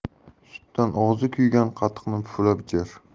sutdan og'zi kuygan qatiqni puflab ichar